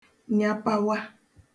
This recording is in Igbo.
nyapawa